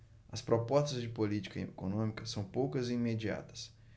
as propostas de política econômica são poucas e imediatas